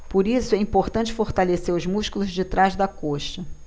por isso é importante fortalecer os músculos de trás da coxa